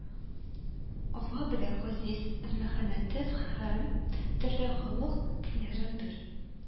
Ва белән газиз әлмөхәммәтев һәм төрле халык көйләрен бер